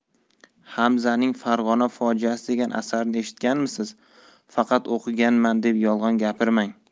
hamzaning farg'ona fojiasi degan asarini eshitganmisiz faqat o'qiganman deb yolg'on gapirmang